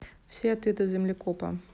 все ответы землекопа